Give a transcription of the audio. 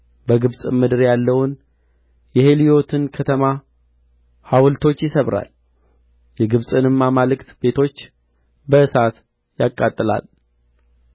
በግብጽም ምድር ያለውን የሄልዮቱን ከተማ ሐውልቶች ይሰብራል የግብጽንም አማልክት ቤቶች በእሳት ያቃጥላል